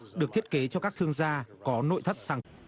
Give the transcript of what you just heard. được thiết kế cho các thương gia có nội thất xăng